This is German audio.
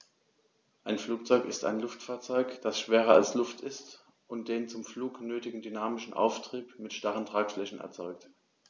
Ein Flugzeug ist ein Luftfahrzeug, das schwerer als Luft ist und den zum Flug nötigen dynamischen Auftrieb mit starren Tragflächen erzeugt.